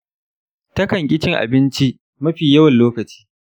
ta kan ƙi cin abinci mafi yawan lokaci.